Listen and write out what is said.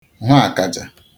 hwe akaja